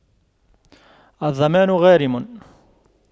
الضامن غارم